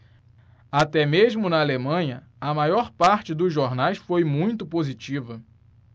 até mesmo na alemanha a maior parte dos jornais foi muito positiva